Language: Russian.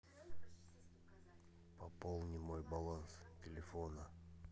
пополни мой баланс телефона